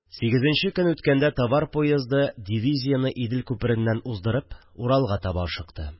Сигезенче көн үткәндә товар поезды, дивизияне Идел күпереннән уздырып, Уралга таба ашыкты